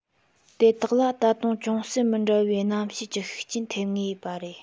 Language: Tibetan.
དེ དག ལ ད དུང ཅུང ཟད མི འདྲ བའི གནམ གཤིས ཀྱི ཤུགས རྐྱེན ཐེབས ངེས པ རེད